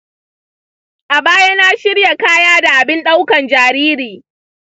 a baya na shirya kaya da abin ɗaukan jariri.